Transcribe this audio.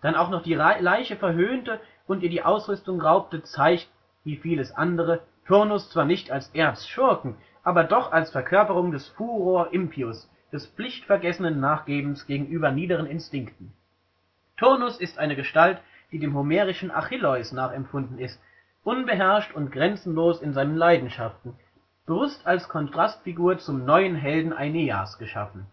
dann auch noch die Leiche verhöhnte und ihr die Ausrüstung raubte, zeigt, wie vieles andere, Turnus zwar nicht als Erzschurken, aber doch als Verkörperung des furor impius, des pflichtvergessenen Nachgebens gegenüber niederen Instinkten. Turnus ist eine Gestalt, die dem homerischen Achilleus nachempfunden ist, unbeherrscht und grenzenlos in seinen Leidenschaften, bewusst als Kontrastfigur zum „ neuen Helden “Aeneas geschaffen